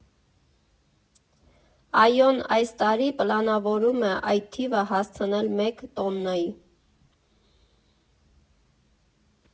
ԱՅՈ֊ն այս տարի պլանավորում է այդ թիվը հասցնել մեկ տոննայի։